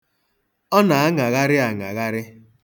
Ọ na-aṅagharị aṅagharị.